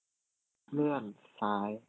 เลื่อนซ้าย